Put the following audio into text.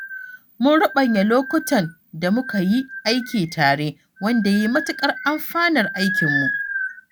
Mun ruɓanya lokutan da muka yi aiki tare, wanda ya yi matuƙar amfanar aikinmu!